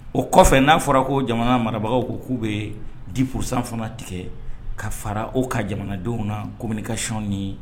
O kɔfɛ n'a fɔra ko jamana marabagaw ko k'u bɛ diurusan fana tigɛ ka fara o ka jamanadenw na kominikaconni ye